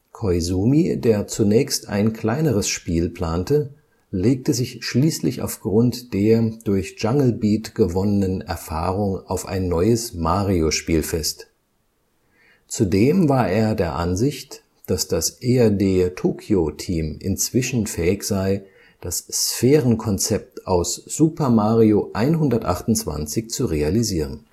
Koizumi, der zunächst ein kleineres Spiel plante, legte sich schließlich aufgrund der durch Jungle Beat gewonnenen Erfahrung auf ein neues Mario-Spiel fest. Zudem war er der Ansicht, dass das EAD-Tokyo-Team inzwischen fähig sei, das Sphärenkonzept aus Super Mario 128 zu realisieren